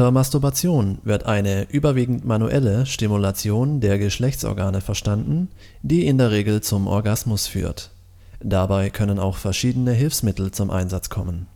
Masturbation wird eine - überwiegend manuelle - Stimulation der Geschlechtsorgane verstanden, die in der Regel zum Orgasmus führt. Dabei können auch verschiedene Hilfsmittel zum Einsatz kommen